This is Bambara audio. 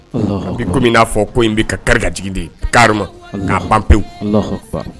N komi min n'a fɔ ko in bɛ ka karij de kama ka pan pewu